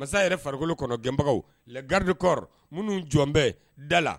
Masa yɛrɛ farikolo kɔnɔ gɛnbagaw, les gardes du corps minnu jɔnbɛ da la